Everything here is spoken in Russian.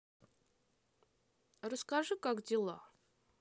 расскажи как дела